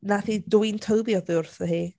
Wnaeth hi dwyn Toby oddi wrtho hi.